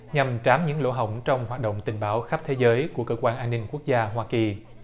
nhằm trám những lỗ hổng trong hoạt động tình báo khắp thế giới của cơ quan an ninh quốc gia hoa kỳ